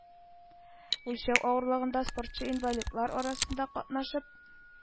Үлчәү авырлыгындагы спортчы инвалидлар арасында катнашып,